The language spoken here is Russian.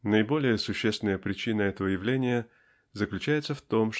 Наиболее существенная причина этого явления заключается в том